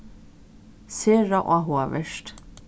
sera áhugavert